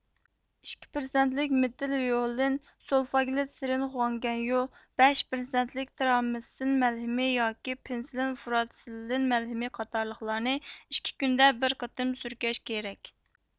ئىككى پىرسەنتلىك مېتىل ۋىئولىن سۇلفاگلىتسېرىن خۇاڭگەنيوۋ بەش پىرسەنتلىك تېررامىتسىن مەلھىمى ياكى پېنسىلىن فۇراتىسىللىن مەلھىمى قاتارلىقلارنى ئىككى كۈندە بىر قېتىم سۈركەش كېرەك